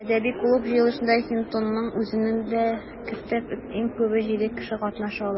Әдәби клуб җыелышында, Хинтонның үзен дә кертеп, иң күбе җиде кеше катнаша ала.